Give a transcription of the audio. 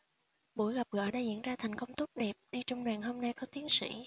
buổi gặp gỡ đã diễn ra thành công tốt đẹp đi trong đoàn hôm nay có tiến sĩ